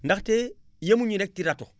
ndaxte yemuñu rek ci râteau